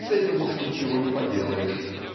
С этим уж ничего не поделаешь.